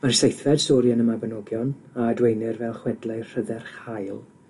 Mae'r seithfed sori yn y Mabinogion a adweinir fel chwedlau Rhydderch Hael